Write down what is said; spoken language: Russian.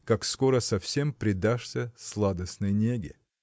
как скоро совсем предашься сладостной неге.